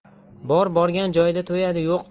bor borgan joyida to'yadi